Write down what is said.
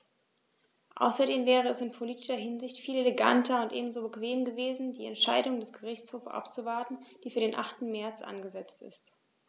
Außerdem wäre es in politischer Hinsicht viel eleganter und ebenso bequem gewesen, die Entscheidung des Gerichtshofs abzuwarten, die für den 8. März angesetzt ist.